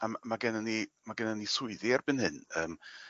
A m- ma' gennon ni ma' gennon ni swyddi erbyn hyn yym